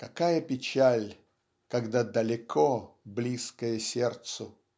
Какая печаль, когда далеко близкое сердцу!